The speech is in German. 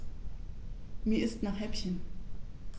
Mir ist nach Häppchen.